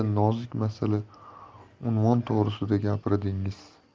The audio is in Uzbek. nozik masala unvon to'g'risida gapirdingiz